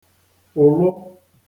ụ̀lụ